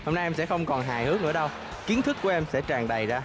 hôm nay em sẽ không còn hài hước nữa đâu kiến thức của em sẽ tràn đầy ra